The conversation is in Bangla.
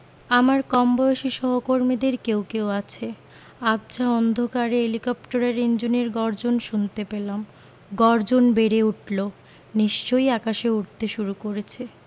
আমার কমবয়সী সহকর্মীদের কেউ কেউ আছে আবছা অন্ধকারে হেলিকপ্টারের ইঞ্জিনের গর্জন শুনতে পেলাম গর্জন বেড়ে উঠলো নিশ্চয়ই আকাশে উড়তে শুরু করেছে